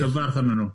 Cyfarth arnyn nhw.